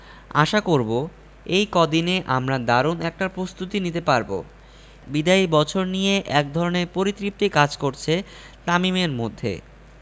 আশা করব এই কদিনে আমরা দারুণ একটা প্রস্তুতি নিতে পারব বিদায়ী বছর নিয়ে একধরনের পরিতৃপ্তি কাজ করছে তামিমের মধ্যে